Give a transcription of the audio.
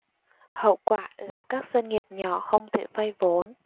hậu quả là các doanh nghiệp nhỏ không thể vay vốn